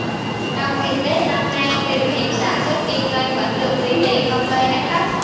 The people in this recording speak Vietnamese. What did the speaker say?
trong dịp tết năm nay tình hình sản xuất kinh doanh vẫn được duy trì không gây ách tắc